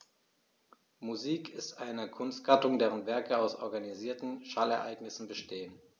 Musik ist eine Kunstgattung, deren Werke aus organisierten Schallereignissen bestehen.